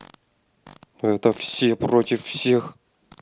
это все против всех